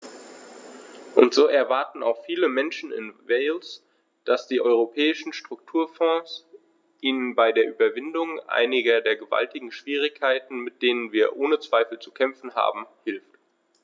Und so erwarten auch viele Menschen in Wales, dass die Europäischen Strukturfonds ihnen bei der Überwindung einiger der gewaltigen Schwierigkeiten, mit denen wir ohne Zweifel zu kämpfen haben, hilft.